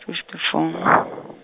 fifty four.